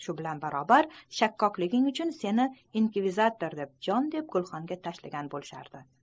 shu bilan barobar shakkokliging uchun seni inkvizatorlar jon deb gulxanga tashlagan bolar edi